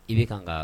I bɛ kan k'aa